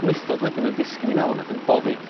gwlithod wedyn yn disgyn i mewn ac yn boddi.